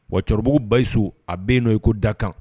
Wa cɛkɔrɔba basiyiso a bɛ n'o ye ko da kan